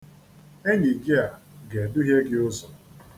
Enyi gị a ga-eduhie gị ụzọ.